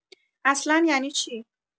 اصلا ینی چی